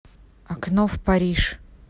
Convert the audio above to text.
окно в париж